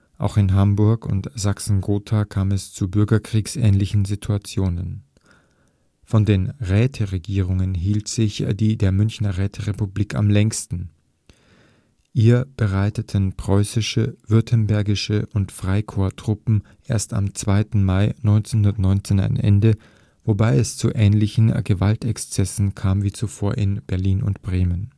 Auch in Hamburg und Sachsen-Gotha kam es zu bürgerkriegsähnlichen Situationen. Von den Räteregierungen hielt sich die der Münchner Räterepublik am längsten. Ihr bereiteten preußische, württembergische und Freikorps-Truppen erst am 2. Mai 1919 ein Ende, wobei es zu ähnlichen Gewaltexzessen kam wie zuvor in Berlin und Bremen